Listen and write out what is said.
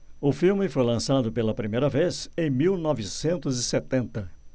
o filme foi lançado pela primeira vez em mil novecentos e setenta